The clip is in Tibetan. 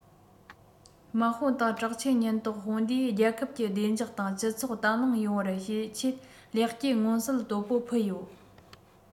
དམག དཔུང དང དྲག ཆས ཉེན རྟོག དཔུང སྡེས རྒྱལ ཁབ ཀྱི བདེ འཇགས དང སྤྱི ཚོགས བརྟན ལྷིང ཡོང བར བྱེད ཆེད ལེགས སྐྱེས མངོན གསལ དོད པོ ཕུལ ཡོད